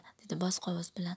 dedi bosiq ovoz bilan